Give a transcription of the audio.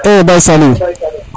e Baye Saliou